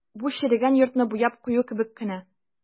Бу черегән йортны буяп кую кебек кенә.